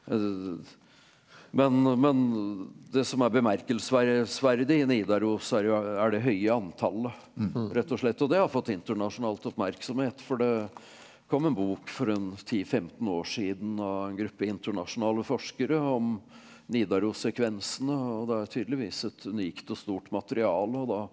men men det som er bemerkelsesverdig i Nidaros er jo er det høye antallet rett og slett og det har fått internasjonalt oppmerksomhet for det kom en bok for en ti 15 år siden av en gruppe internasjonale forskere om Nidarossekvensene og da er tydeligvis et unikt og stort material og da.